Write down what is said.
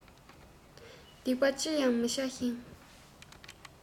སྡིག པ ཅི ཡང མི བྱ ཞིང